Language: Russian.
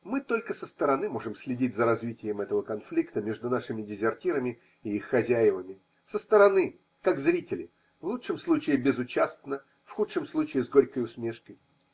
– мы только со стороны можем следить за развитием этого конфликта между нашими дезертирами и их хозяевами, – со стороны, как зрители, в лучшем случае безучастно, в худшем случае с горькой усмешкой.